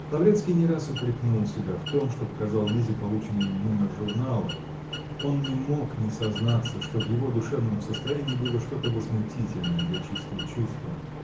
Лаврецкий не раз упрекнул себя в том, что показал Лизе полученный им нумер журнала: он не мог не сознаться, что в его душевном состоянии было что-то возмутительное для чистого чувства.